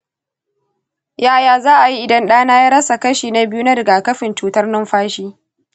yaya za a yi idan ɗana ya rasa kashi na biyu na rigakafin cutar numfashi?